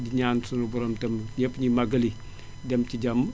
di ñaan suñu borom tam ñépp ñi màggali dem ci jàmm